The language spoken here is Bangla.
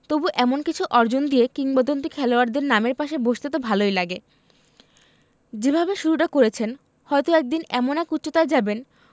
তবু এমন কিছু অর্জন দিয়ে কিংবদন্তি খেলোয়াড়দের নামের পাশে বসতে তো ভালোই লাগে যেভাবে শুরুটা করেছেন হয়তো একদিন এমন এক উচ্চতায় যাবেন